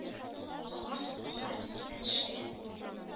Калган дулкыннар өстенә төшкән